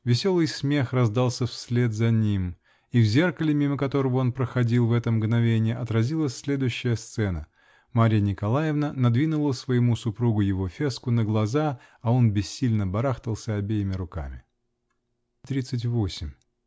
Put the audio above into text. Веселый смех раздался вслед за ним -- и в зеркале, мимо которого он проходил в это мгновенье, отразилась следующая сцена: Марья Николаевна надвинула своему супругу его феску на глаза, а он бессильно барахтался обеими руками. Триндцать восемь.